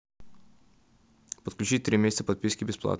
подключить три месяца подписки бесплатно